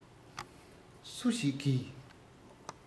སུ ཞིག གིས